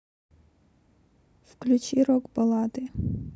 включи рок баллады